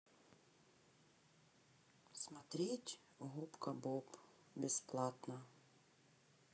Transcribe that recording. смотреть губка боб бесплатно